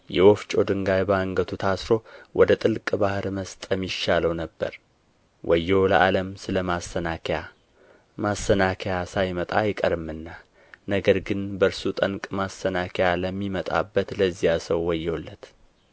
የወፍጮ ድንጋይ በአንገቱ ታስሮ ወደ ጥልቅ ባሕር መስጠም ይሻለው ነበር ወዮ ለዓለም ስለ ማሰናከያ ማሰናከያ ሳይመጣ አይቀርምና ነገር ግን በእርሱ ጠንቅ ማሰናከያ ለሚመጣበት ለዚያ ሰው ወዮለት